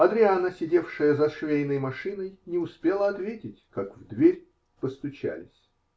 Адриана, сидевшая за швейной машиной, не успела ответить, как в дверь постучались.